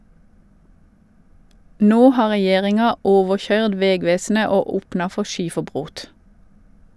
Nå har regjeringa overkøyrd vegvesenet og opna for skiferbrot.